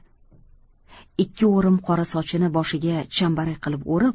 ikki o'rim qora sochini boshiga chambarak qilib o'rib